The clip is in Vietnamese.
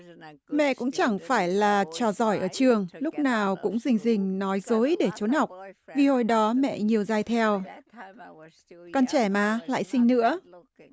mẹ cũng chẳng phải là trò giỏi ở trường lúc nào cũng rình rình nói dối để trốn học vì hồi đó mẹ nhiều trai theo còn trẻ mà lại sinh nữa